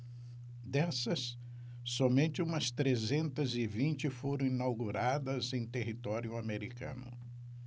dessas somente umas trezentas e vinte foram inauguradas em território americano